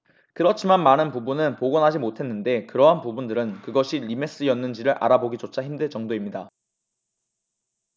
그렇지만 많은 부분은 복원하지 못했는데 그러한 부분들은 그것이 리메스였는지를 알아보기조차 힘들 정도입니다